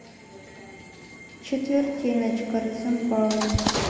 четвертиночка розенбаум